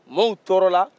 maaw tɔɔrɔra